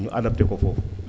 ñu adopté ko foofu